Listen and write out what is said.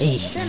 ii